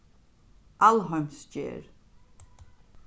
alheimsgerð